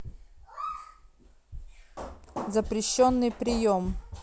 запрещенный прием